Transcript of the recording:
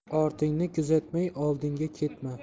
ortingni kuzatmay oldinga ketma